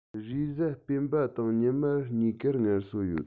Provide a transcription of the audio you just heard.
རེས གཟའ སྤེན པ དང ཉི མ གཉིས ཀར ངལ གསོ ཡོད